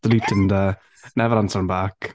Delete Tinder, never answer him back.